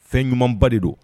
Fɛn ɲumanba de don